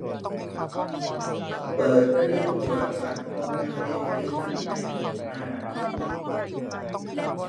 เปิดเครื่องโทรทัศน์ห้องนั่งเล่นให้ฉันในอีกห้านาที